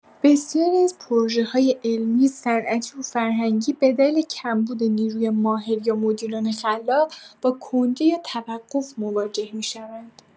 بسیاری از پروژه‌های علمی، صنعتی و فرهنگی به دلیل کمبود نیروی ماهر یا مدیران خلاق با کندی یا توقف مواجه می‌شوند.